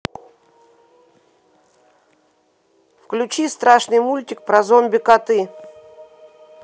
включи страшный мультик про зомби коты